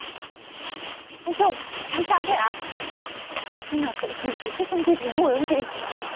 ơ anh trung anh sao thế ạ có khi nào tự kỉ rồi chết trong tư thế ngồi không chị